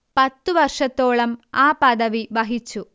പത്തു വർഷത്തോളം ആ പദവി വഹിച്ചു